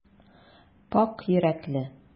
Пакь йөрәкле.